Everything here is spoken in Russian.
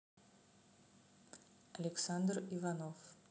александр иванов